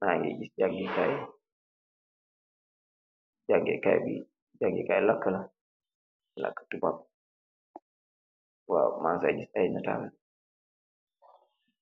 Mangi giss jangeh kai jangeh kai bi jangeh kai laka laka laka tubab waa mang fa gis ay netal